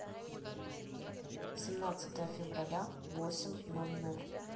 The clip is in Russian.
семнадцатое февраля восемь ноль ноль